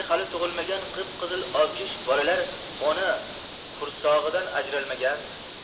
hali tug'ilmagan qip qizil objish bolalar ona qursog'idan ajralmagan